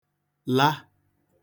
la